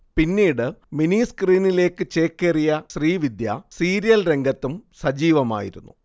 പിന്നീട് മിനി സ്ക്രീനിലേക്ക് ചേക്കേറിയ ശ്രീവിദ്യ സീരിയൽ രംഗത്തും സജീവമായിരുന്നു